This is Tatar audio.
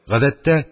Гадәттә,